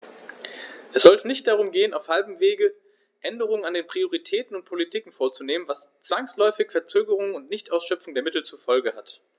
Es sollte nicht darum gehen, auf halbem Wege Änderungen an den Prioritäten und Politiken vorzunehmen, was zwangsläufig Verzögerungen und Nichtausschöpfung der Mittel zur Folge hat.